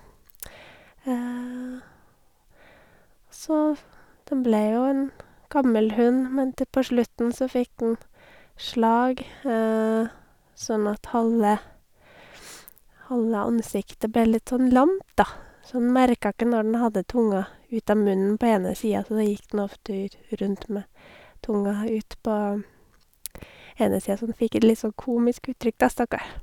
Så den ble jo en gammel hund men t på slutten så fikk den slag sånn at halve halve ansiktet ble litt sånn lamt da, så den merka ikke når den hadde tunga ut av munnen på ene sida, så da gikk den ofte ut rundt med tunga ut på ene sida så den fikk et litt sånn komisk uttrykk da stakkar.